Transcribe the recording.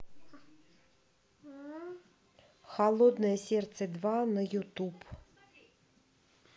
холодное сердце два на ютуб